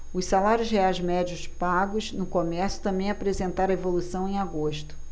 os salários reais médios pagos no comércio também apresentaram evolução em agosto